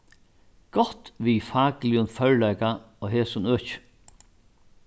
gott við fakligum førleika á hesum øki